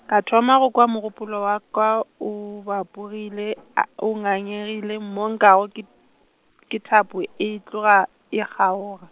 ka thoma go kwa mogopolo wa ka o bapogile a, o ngangegile mo nkwago ke t-, ke thapo e tloga e kgaoga.